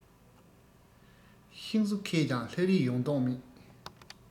ཤིང བཟོ མཁས ཀྱང ལྷ བྲིས ཡོང མདོག མེད